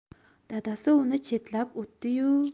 dadasi uni chetlab o'tdi yu